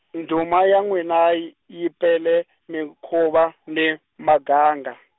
ndhuma ya n'wina y- yi pele, minkova, ni maganga.